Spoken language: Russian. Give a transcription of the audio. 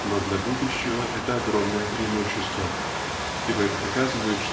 но для будущего это -- огромное преимущество. Ибо это показывает